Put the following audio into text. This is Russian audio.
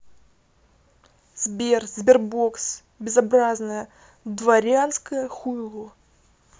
сбер sberbox безобразная дворянская хуйло